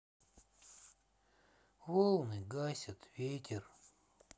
волны гасят ветер